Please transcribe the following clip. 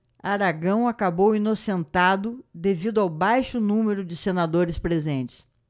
aragão acabou inocentado devido ao baixo número de senadores presentes